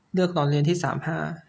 เลือกตอนเรียนที่สามห้า